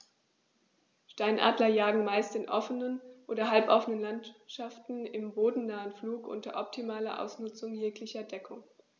Steinadler jagen meist in offenen oder halboffenen Landschaften im bodennahen Flug unter optimaler Ausnutzung jeglicher Deckung.